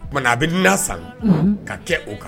Tuma a bɛ la san ka kɛ o kan